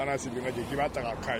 k'i b'a ta k'a